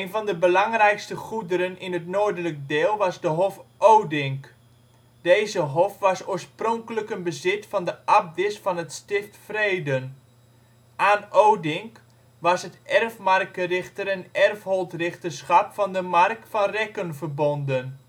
van de belangrijkste goederen in het noordelijk deel was de hof Odink (" Eunk "). Deze hof was oorspronkelijk een bezit van de abdis van het Stift Vreden. Aan Odink was het erfmarkerichter - of erfholtrichterschap van de mark van Rekken verbonden